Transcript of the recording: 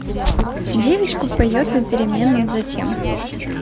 девочка поет на переменном затем